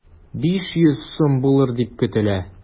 500 сум булыр дип көтелә.